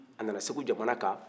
a nana segu jamana kan